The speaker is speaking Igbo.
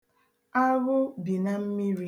Aghụ bi na mmiri.